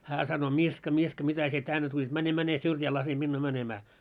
hän sanoi Miska Miska mitä sinä tänne tulit mene mene syrjään laske minua menemään